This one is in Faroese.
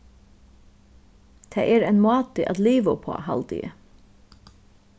tað er ein máti at liva uppá haldi eg